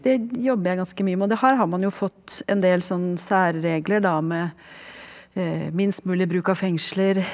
det jobber jeg ganske mye med og det her har man jo fått en del sånn særregler da med minst mulig bruk av fengsler.